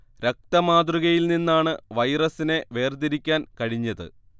രക്ത മാതൃകയിൽ നിന്നാണ് വൈറസിനെ വേർതിരിക്കാൻ കഴിഞ്ഞത്